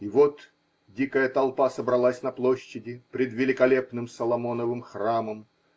И вот дикая толпа собралась на площади пред великолепным Соломоновым храмом.